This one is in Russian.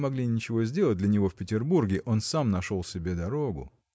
не могли ничего сделать для него в Петербурге он сам нашел себе дорогу.